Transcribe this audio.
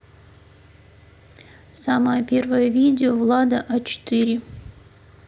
самое первое видео влада а четыре